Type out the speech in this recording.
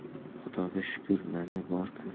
xudoga shukur mana bor ku